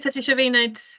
ta ti isio fi wneud?